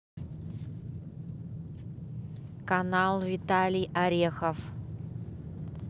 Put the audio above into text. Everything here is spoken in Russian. канал виталий орехов